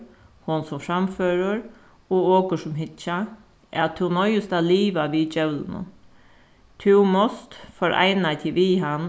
hon sum framførir og okur sum hyggja at tú noyðist at liva við djevlinum tú mást foreina teg við hann